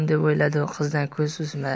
deb o'yladi u qizdan ko'z uzmay